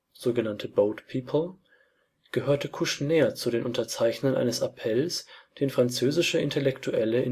sog. „ Boatpeople “), gehörte Kouchner zu den Unterzeichnern eines Appells, den französische Intellektuelle